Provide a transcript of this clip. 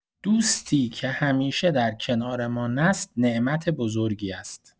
دوستی که همیشه در کنارمان است، نعمت بزرگی است.